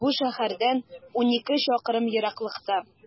Бу шәһәрдән унике чакрым ераклыкта.